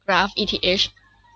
กราฟอีทีเฮช